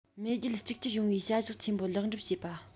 མེས རྒྱལ གཅིག གྱུར ཡོང བའི བྱ གཞག ཆེན པོ ལེགས འགྲུབ བྱེད པ